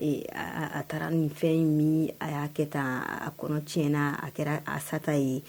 Ee a taara nin fɛn in min a y'a kɛ taa a kɔnɔ ti na a kɛra a sata ye